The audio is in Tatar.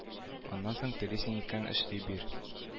Аннан соң телисең икән эшли бир